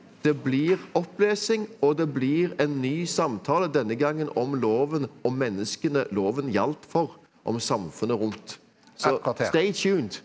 det blir opplesing og det blir en ny samtale denne gangen om loven og menneskene loven gjaldt for om samfunnet rundt så .